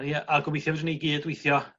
Ia a gobeithio fedrwn ni gyd weithio